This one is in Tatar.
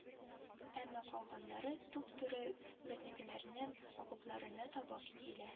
Әмма калганнары туп-туры безнекеләрнең окопларына табан килә